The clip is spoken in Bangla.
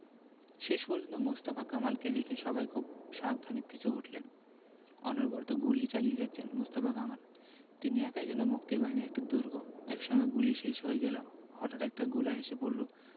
শেষ পর্যন্ত মোস্তফা কামালকে রেখে সবাই খুব সাবধানে পিছু হটলেন অনবরত গুলি চালিয়ে যাচ্ছেন মোস্তফা কামাল তিনি একাই যেন মুক্তিবাহিনীর একটা দুর্গ একসময় গুলি শেষ হয়ে গেল হটাঠ একটা গোলা এসে পড়ল